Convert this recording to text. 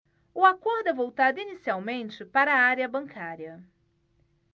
o acordo é voltado inicialmente para a área bancária